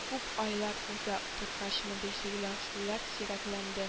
Күп айлар уза торгач мондый сөйләшүләр сирәкләнде